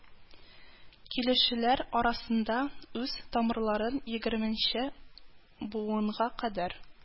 Килүчеләр арасында үз тамырларын егерменче буынга кадәр